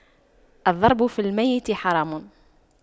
الضرب في الميت حرام